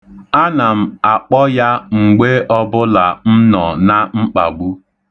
Ana m akpọ ya mgbe ọbụla m nọ na mkpagbu.